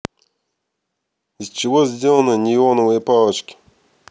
из чего сделаны неоновые палочки